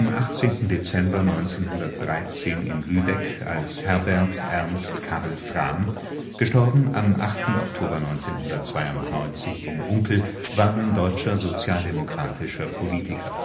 18. Dezember 1913 in Lübeck als Herbert Ernst Karl Frahm; † 8. Oktober 1992 in Unkel) war ein deutscher sozialdemokratischer Politiker